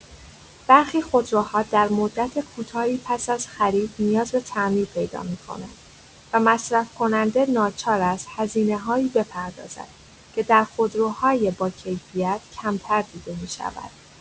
برخی خودروها در مدت کوتاهی پس از خرید نیاز به تعمیر پیدا می‌کنند و مصرف‌کننده ناچار است هزینه‌هایی بپردازد که در خودروهای باکیفیت کمتر دیده می‌شود.